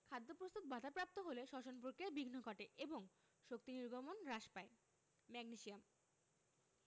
খাদ্যপ্রস্তুত বাধাপ্রাপ্ত হলে শ্বসন প্রক্রিয়ায় বিঘ্ন ঘটে এবং শক্তি নির্গমন হ্রাস পায় ম্যাগনেসিয়াম